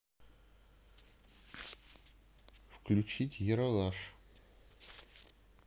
включить ералаш